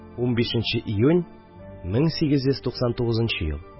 15 нче июнь 1899 ел